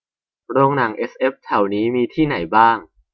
โรงหนังเอสเอฟแถวนี้มีที่ไหนบ้าง